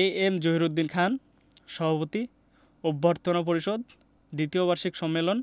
এ M Zahiruddin Khan সভাপতি অভ্যর্থনা পরিষদ দ্বিতীয় বার্ষিক সম্মেলন